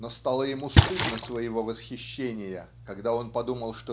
но стало ему стыдно своего восхищения когда он подумал